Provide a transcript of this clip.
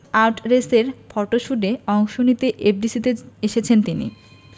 আর্টরেসের ফটশুটে অংশ নিতেই এফডিসিতে এসেছেন তিনি